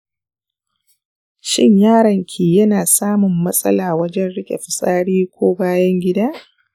shin yaron ki yana samun matsala wajen riƙe fitsari ko bayan gida?